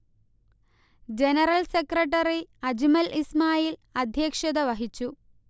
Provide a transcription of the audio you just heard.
general secretary Ajmal Ismail അധ്യക്ഷത വഹിച്ചു